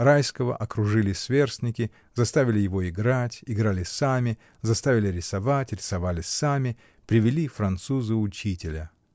Райского окружили сверстники, заставили его играть, играли сами, заставили рисовать, рисовали сами, привели француза-учителя.